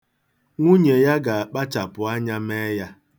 Nwunye ga-akpachapụ anya mee ya.